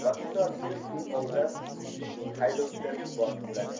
vaqti soati kelib u ovda haydovchilarga bosh bo'ladi